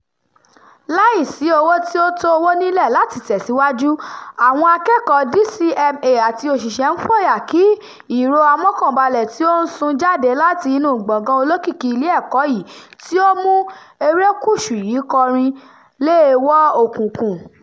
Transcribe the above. Láìsí owó tí ó tówó nílẹ̀ láti tẹ̀síwájú, àwọn akẹ́kọ̀ọ́ DCMA àti òṣìṣẹ́ ń fòyà kí ìró amọ́kànbalẹ̀ tí ó ń sun jáde láti inúu gbọ̀ngán olókìkí ilé ẹ̀kọ́ yìí tí ó mú erékùṣù yìí kọrin — leè wọ òkùnkùn.